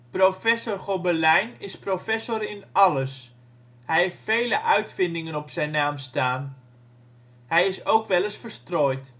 Professor Gobelijn is professor in alles. Hij heeft vele uitvindingen op zijn naam staan. Hij is ook wel eens verstrooid